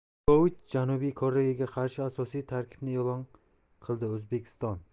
drulovich janubiy koreyaga qarshi asosiy tarkibni e'lon qildio'zbekiston